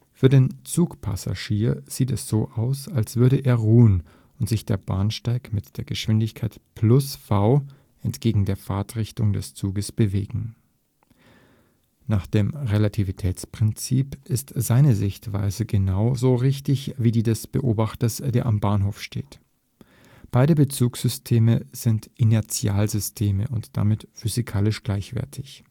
Für den Zugpassagier sieht es so aus, als würde er ruhen und sich der Bahnsteig mit der Geschwindigkeit + v {\ displaystyle +v} entgegen der Fahrtrichtung des Zuges bewegen. Nach dem Relativitätsprinzip ist seine Sichtweise genauso richtig wie die des Beobachters, der am Bahnhof steht. Beide Bezugssysteme sind Inertialsysteme und damit physikalisch gleichwertig